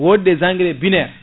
wodi des engraiss bianires